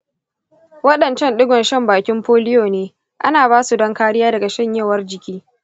waɗancan ɗigon shan bakin polio ne, ana ba su don kariya daga shanyewar jiki.